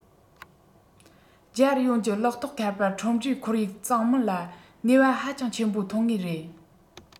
སྤྱི ཡོངས ཀྱི ལག ཐོགས ཁ པར ཁྲོམ རའི ཁོར ཡུག གཙང མིན ལ ནུས པ ཧ ཅང ཆེན པོ ཐོན ངེས རེད